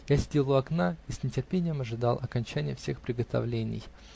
Я сидел у окна и с нетерпением ожидал окончания всех приготовлений.